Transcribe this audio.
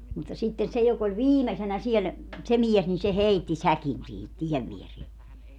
mutta sitten se joka oli viimeisenä siellä se mies niin se heitti säkin siihen tien viereen